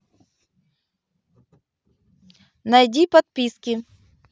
найди подписки